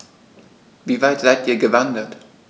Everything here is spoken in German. Wie weit seid Ihr gewandert?